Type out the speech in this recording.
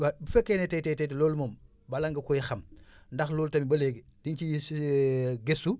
waaw bu fekkee ne tey tey tey loolu moom bala nga koy xam ndax loolu tamit ba léegi di ngi si gëstu